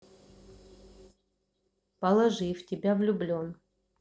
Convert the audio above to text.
положи в тебя влюблен